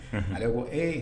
ale ko ee